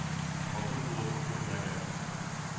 Матур булып күренәләр.